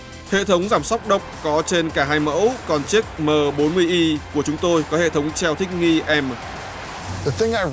hệ thống giảm xóc động có trên cả hai mẫu còn chiếc mờ bốn mươi y của chúng tôi có hệ thống treo thích nghi em mờ